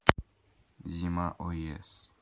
зима оес